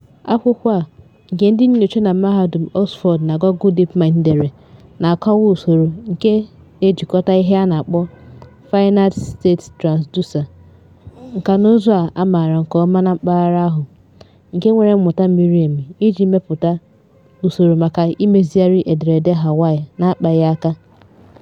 Akwụkwọ a, nke ndị nnyocha na Mahadum Oxford na Google Deep Mind dere, na-akọwa usoro nke na-ejikọta ihe a na-akpọ "finite state transducers", nkànaụzụ a maara nke ọma na mpaghara ahụ, nke nwere mmụta miri emi iji mepụta usoro maka imezigharị ederede Hawaii n'akpaghị aka.